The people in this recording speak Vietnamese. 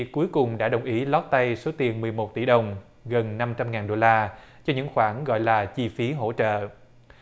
cuối cùng đã đồng ý lót tay số tiền mười một tỷ đồng gần năm trăm ngàn đô la cho những khoản gọi là chi phí hỗ trợ